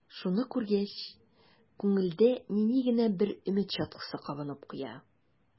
Шуны күргәч, күңелдә нәни генә бер өмет чаткысы кабынып куя.